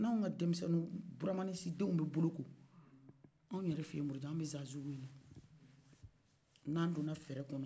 n'aw ka denmisenw buramanisi denw bɛ bolo ko anw yɛrɛ feyi murujan anw bɛ sazu wele n'a dɔla fɛrɛ kɔnɔ